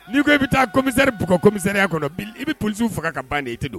N'i ko i bɛ taammisariugmisariya kɔnɔ i bɛ psiw faga ka ban i tɛ don